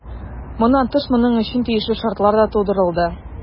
Моннан тыш, моның өчен тиешле шартлар да тудырылды.